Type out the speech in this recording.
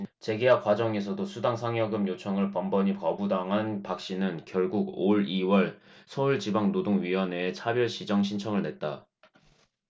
재계약 과정에서도 수당 상여금 요청을 번번이 거부당한 박씨는 결국 올 이 월 서울지방노동위원회에 차별시정 신청을 냈다